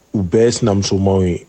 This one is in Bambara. U bɛɛ ye sinamusomaw ye